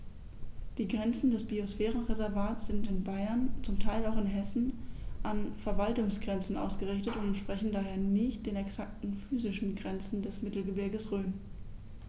Die Grenzen des Biosphärenreservates sind in Bayern, zum Teil auch in Hessen, an Verwaltungsgrenzen ausgerichtet und entsprechen daher nicht exakten physischen Grenzen des Mittelgebirges Rhön.